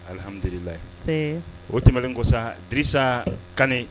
Alihamidulila n see o tɛmɛnen kɔ sa Dirisa kane